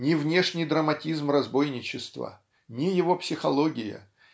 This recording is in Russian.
Ни внешний драматизм разбойничества ни его психология